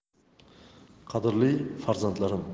qadrli farzandlarim